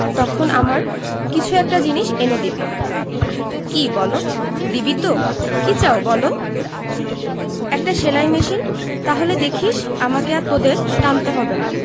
তখন আমার কিছু একটা জিনিস এনে দিবি কি বলো দিবি তো কি চাও বলো একটা সেলাই মেশিন তাহলে দেখিস আমাকে আর তোদের টানতে হবে না